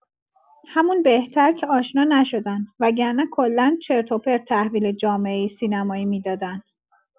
همون بهتر که آشنا نشدن… وگرنه کلا چرت و پرت تحویل جامعه سینمایی می‌دادن